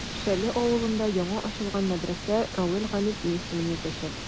Шәле авылында яңа ачылган мәдрәсә Равил Гайнетдин исемен йөртәчәк.